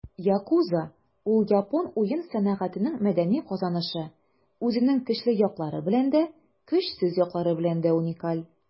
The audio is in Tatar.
Yakuza - ул япон уен сәнәгатенең мәдәни казанышы, үзенең көчле яклары белән дә, көчсез яклары белән дә уникаль.